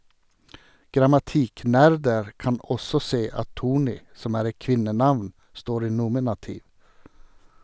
Grammatikknerder kan også se at Thorni , som er et kvinnenavn, står i nominativ.